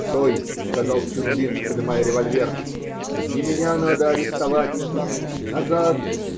-- Стой, -- сказал Чун-Линг, подымая револьвер. -- Не меня надо арестовать. Назад!